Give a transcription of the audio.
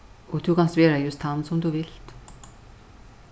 og tú kanst vera júst tann sum tú vilt